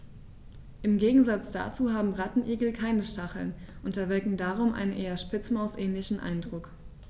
Im Gegensatz dazu haben Rattenigel keine Stacheln und erwecken darum einen eher Spitzmaus-ähnlichen Eindruck.